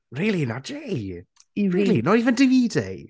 Really, not Jay? Really? Not even Davide?